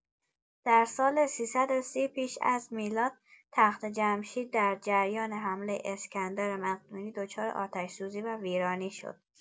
در سال ۳۳۰ پیش از میلاد، تخت‌جمشید در جریان حمله اسکندر مقدونی دچار آتش‌سوزی و ویرانی شد.